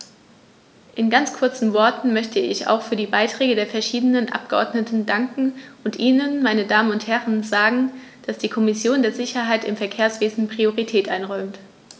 In ganz kurzen Worten möchte ich auch für die Beiträge der verschiedenen Abgeordneten danken und Ihnen, meine Damen und Herren, sagen, dass die Kommission der Sicherheit im Verkehrswesen Priorität einräumt.